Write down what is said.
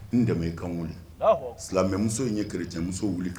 N dɛmɛ i ka n wili; Allahou Akbarou ; Silamɛmuso in ye keretiyɛnmuso wili k